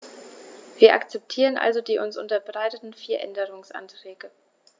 Wir akzeptieren also die uns unterbreiteten vier Änderungsanträge.